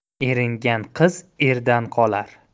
eringan qiz erdan qolar